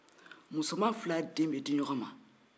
musoman fila den bɛ di ɲɔgɔn ma